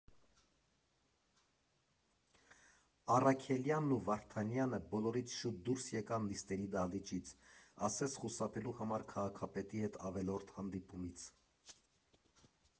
Առաքելյանն ու Վարդանյանը բոլորից շուտ դուրս եկան նիստերի դահլիճից, ասես խուսափելու համար քաղաքապետի հետ ավելորդ հանդիպումից։